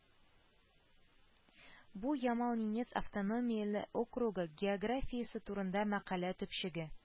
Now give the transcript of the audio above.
Бу Ямал-Ненец автономияле округы географиясе турында мәкалә төпчеге